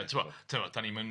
...yy ti'bod ti'bod 'dan ni'm yn